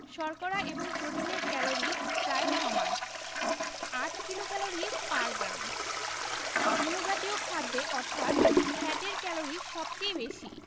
শর্করা এবং প্রোটিনের ক্যালরি প্রায় সমান ৮ কিলোক্যালরি পার গ্রাম স্নেহ জাতীয় খাদ্যে অর্থাৎ ফ্যাটের ক্যালরি সবচেয়ে বেশি